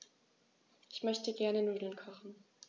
Ich möchte gerne Nudeln kochen.